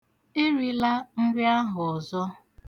Erila nri ahụ oẓọ.